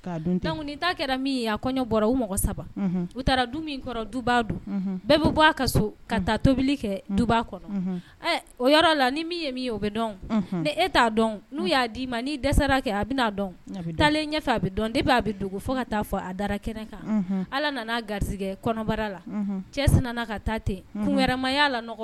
Bɛɛ bɛ bɔ ka taa tobili kɛ du kɔnɔ o yɔrɔ la ni min ye min o bɛ dɔn e t'a dɔn n'u y'a d dii ma ni dɛsɛra kɛ a bɛa dɔn taalen ɲɛfɛ bɛ dɔn b'a bɛ fo ka taa fɔ a dara kɛnɛ kan ala nana garijɛgɛ kɔnɔbara la cɛ ka taa ten kun wɛrɛma' la ɲɔgɔn